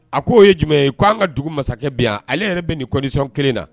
A k'o ye jumɛn ye k' an ka dugu masakɛ bi yan ale yɛrɛ bɛ nin kɔnsɔn kelen na